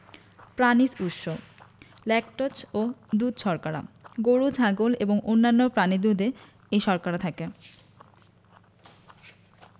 প্রানিজ উৎস ল্যাকটোজ ও দুধ শর্করা গরু ছাগল এবং অন্যান্য প্রাণীর দুধে এই শর্করা থাকে